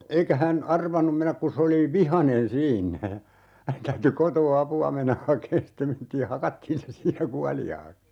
eikä hän arvannut mennä kun se oli vihainen siinä ja hänen täytyi kotoa apua mennä hakemaan sitten mentiin ja hakattiin se siinä kuoliaaksi